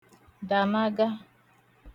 dànaga